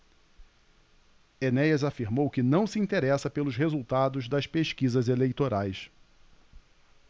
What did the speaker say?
enéas afirmou que não se interessa pelos resultados das pesquisas eleitorais